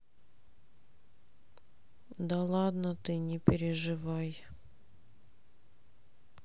да ладно ты не переживай